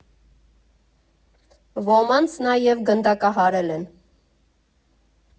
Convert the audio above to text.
Ոմանց նաև գնդակահարել են։